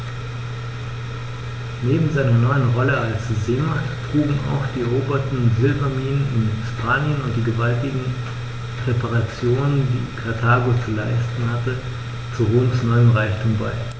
Neben seiner neuen Rolle als Seemacht trugen auch die eroberten Silberminen in Hispanien und die gewaltigen Reparationen, die Karthago zu leisten hatte, zu Roms neuem Reichtum bei.